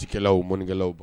Tɛkɛlaw aw mankɛlaw ban